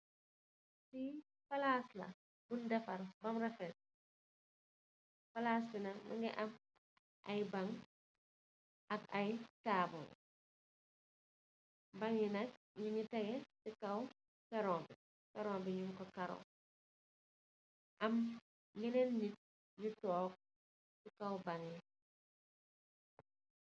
Fii palaasi la, palaas buñg defar bam rafet. Palaas bi nak, mungi am ay bang ak ay taabul .Bsñg yi nak, ñungi tègee, si kow karo bi. Am ñienen ñu toog si kow bañg yi.